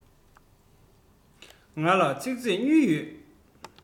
ང ལ ཚིག མཛོད གཉིས ཡོད